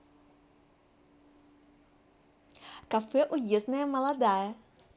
кафе уездное молодая